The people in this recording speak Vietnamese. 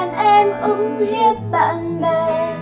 là đàn em ức hiếp bạn bè